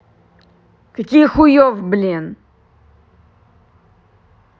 какие хуев блин